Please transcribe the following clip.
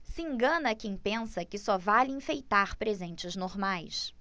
se engana quem pensa que só vale enfeitar presentes normais